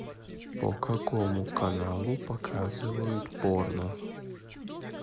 по какому каналу показывают порно